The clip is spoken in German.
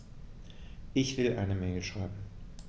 Ich will eine Mail schreiben.